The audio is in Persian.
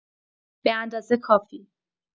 به‌اندازه کافی